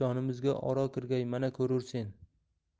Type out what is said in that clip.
jonimizga oro kirgay mana ko'rursen